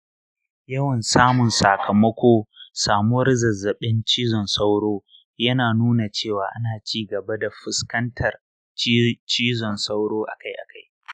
yawan samun sakamako samuwar zazzaɓin cizon sauro yana nuna cewa ana ci gaba da fuskantar cizon sauro akai-akai.